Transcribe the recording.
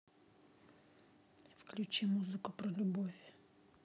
включи музыку про любовь